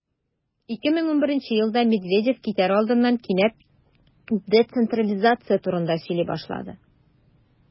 2011 елда медведев китәр алдыннан кинәт децентрализация турында сөйли башлады.